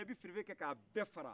e bɛ sirife kɛ ka a bɛɛ fara